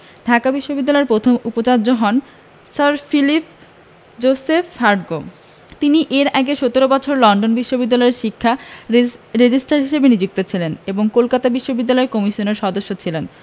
ঢাকা বিশ্ববিদ্যালয়ের প্রথম উপাচার্য হন স্যার ফিলিপ জোসেফ হার্টগ তিনি এর আগে ১৭ বছর লন্ডন বিশ্ববিদ্যালয়ের শিক্ষা রেজিস্ট্রার হিসেবে নিযুক্ত ছিলেন এবং কলকাতা বিশ্ববিদ্যালয় কমিশনের সদস্য ছিলেন